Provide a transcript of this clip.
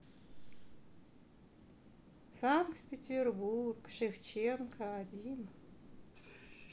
санкт петербург шевченка один